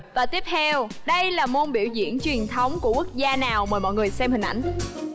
và tiếp theo đây là môn biểu diễn truyền thống của quốc gia nào mời mọi người xem hình ảnh